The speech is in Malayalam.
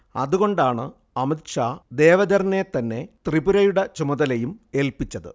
അതുകൊണ്ടാണ് അമിത് ഷാ ദേവധറിനെ തന്നെ ത്രിപുരയുടെ ചുമതലയും ഏൽപിച്ചത്